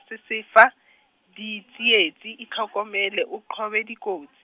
sesefa, ditsietsi itlhokomele o qobe dikotsi.